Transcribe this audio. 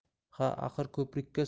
ha axir ko'prikka